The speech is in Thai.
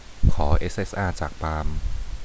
ขอเอสเอสอาจากปาล์ม